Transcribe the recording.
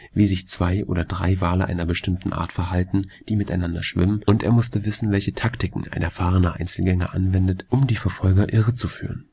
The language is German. wie sich zwei oder drei Wale einer bestimmten Art verhalten, die miteinander schwimmen, und er musste wissen, welche Taktiken ein erfahrener Einzelgänger anwendet, um die Verfolger irrezuführen